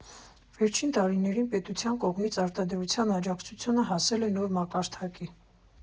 Վերջին տարիներին պետության կողմից արտադրության աջակցությունը հասել է նոր մակարդակի։